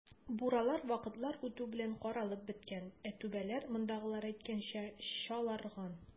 Буралар вакытлар үтү белән каралып беткән, ә түбәләр, мондагылар әйткәнчә, "чаларган".